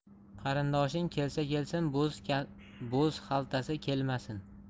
qarindoshing kelsa kelsin bo'z xaltasi kelmasin